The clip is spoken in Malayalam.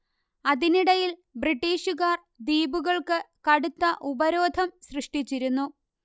അതിനിടയിൽ ബ്രിട്ടീഷുകാർ ദ്വീപുകൾക്ക് കടുത്ത ഉപരോധം സൃഷ്ടിച്ചിരുന്നു